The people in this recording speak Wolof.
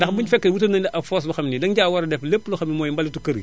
ndax bu fekkee wutal nañu la ab foos boo xam ne danga caa war a def lépp loo xam ne mooy mbalitu kër gi